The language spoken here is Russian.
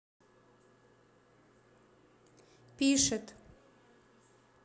пишет